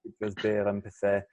am pethe